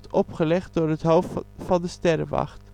opgelegd door het hoofd van de sterrenwacht